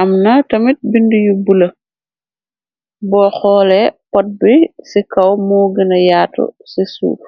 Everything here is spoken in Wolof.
amna tamit bind yu bula bo xoole pot bi ci kaw moo gëna yaatu ci suuf.